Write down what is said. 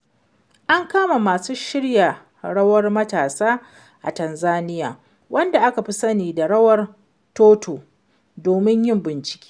An kama masu shirya rawar matasa a Tanzania wanda aka fi sani da 'rawar Toto' domin yin bincike.